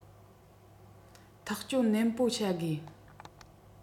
ཐག གཅོད ནན པོ བྱ དགོས